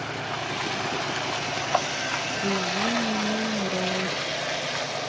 вези меня мразь